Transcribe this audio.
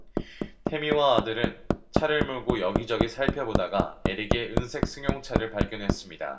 태미와 아들은 차를 몰고 여기 저기 살펴보다가 에릭의 은색 승용차를 발견했습니다